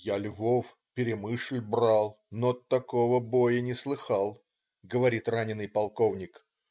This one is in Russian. "Я Львов, Перемышль брал,- но такого боя не слыхал,- говорит раненый полковник.